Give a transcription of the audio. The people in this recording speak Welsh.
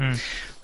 Mmm.